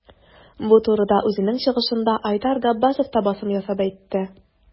Бу турыда үзенең чыгышында Айдар Габбасов та басым ясап әйтте.